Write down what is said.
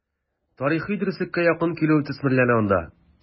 Тарихи дөреслеккә якын килү төсмерләнә анда.